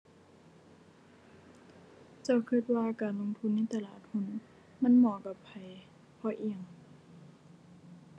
เจ้าคิดว่าการลงทุนในตลาดหุ้นมันเหมาะกับไผ เพราะอิหยัง